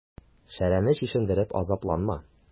Шәрәне чишендереп азапланма.